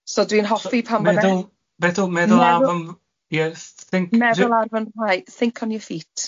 So dwi'n hoffi pan bod e... Meddwl meddwl meddwl ar fy m- ie think. ...meddwl ar fy'n rhaed, think on your feet.